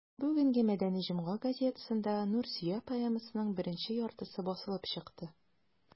Бүгенге «Мәдәни җомга» газетасында «Нурсөя» поэмасының беренче яртысы басылып чыкты.